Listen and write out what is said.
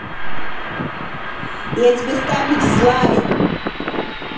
я тебе ставлю дизлайк